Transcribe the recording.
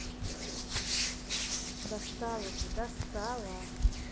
достала ты достала